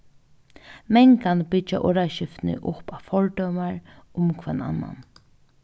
mangan byggja orðaskiftini upp á fordómar um hvønn annan